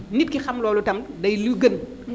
nit ki xam loolu itam day li gën